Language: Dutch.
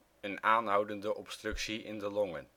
aanhoudende obstructie in de longen